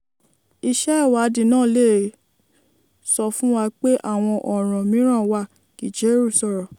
"... Iṣẹ́ ìwádìí náà lè ṣọ fún wa pe àwọn ọ̀ràn mìíràn wà," Gicheru sọ̀rọ̀.